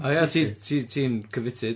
O ia ti ti ti'n committed?